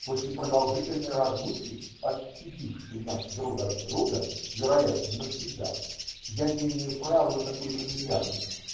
После продолжительной разлуки, отчудившей нас друг от друга, вероятно, навсегда, я не имею права на такую фамильярность